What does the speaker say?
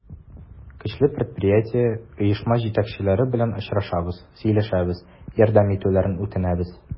Көчле предприятие, оешма җитәкчеләре белән очрашабыз, сөйләшәбез, ярдәм итүләрен үтенәбез.